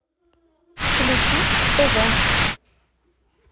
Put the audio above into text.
включи тв